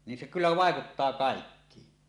niin se kyllä vaikuttaa kaikkiin